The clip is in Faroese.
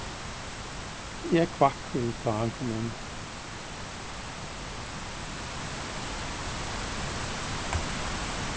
eg hvakk við tá hann kom inn